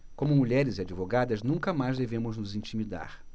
como mulheres e advogadas nunca mais devemos nos intimidar